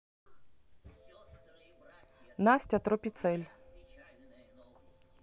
настя тропицель